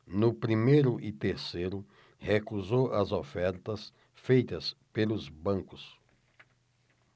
no primeiro e terceiro recusou as ofertas feitas pelos bancos